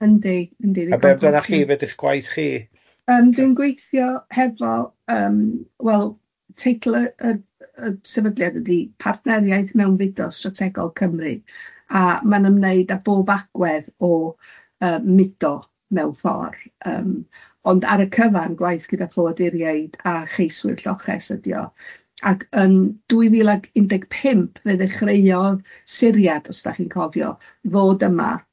Yndiy, yndi, dwi'n gweithio hefo yym wel, teitl y y y sefydliad ydy Partneriaeth Mewnfudo Strategol Cymru, a mae'n ymwneud â bob agwedd o yy mudo mewn ffordd yym ond ar y cyfan gwaith gyda phoaduriaid a cheiswyr lloches ydy o, ac yn dwy fil ag un deg pump fe ddechreuodd Siriaid, os dach chi'n cofio, fod yma.